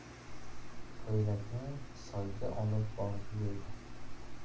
ko'ylakni soyga olib borib yuvdi